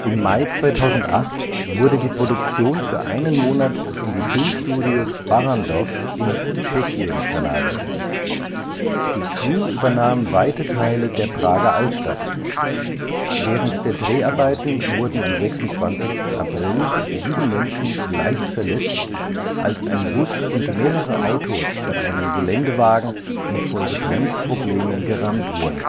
Mai 2008 wurde die Produktion für einen Monat in die Filmstudios Barrandov in Tschechien verlagert. Die Crew übernahm weite Teile der Prager Altstadt. Während der Dreharbeiten wurden am 26. April sieben Menschen leicht verletzt, als ein Bus und mehrere Autos von einem Geländewagen infolge Bremsproblemen gerammt wurden